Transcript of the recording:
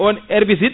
on herbicide